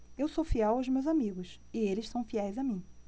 eu sou fiel aos meus amigos e eles são fiéis a mim